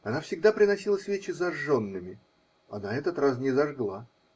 Она всегда приносила свечи зажженными, а на этот раз не зажгла.